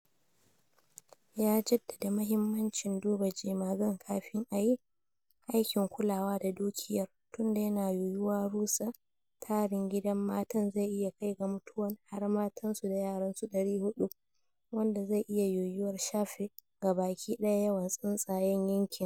Ya jaddada mahimmanci duba jemagan kafin a yi aikin kulawa da dukiyar tunda yana yiyuwa rusa tarin gidan matan zai iya kai ga mutuwan har matan su da yaran su 400, wanda zai iya yiyuwar shafe gaba ki daya yawan tsuntsayen yankin.